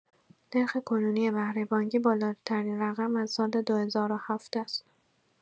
نرخ کنونی بهره بانکی، بالاترین رقم از سال ۲۰۰۷ است.